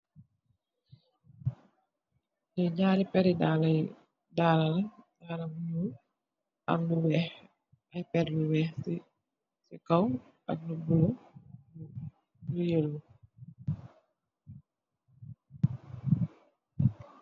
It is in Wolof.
Li naari perri daali daala daala yu nuul am lu weex ay perr yu weex si kaw ak lu bulo lu yellow.